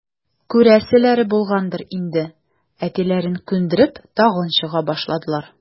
Күрәселәре булгандыр инде, әтиләрен күндереп, тагын чыга башладылар.